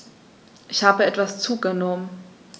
Ich habe etwas zugenommen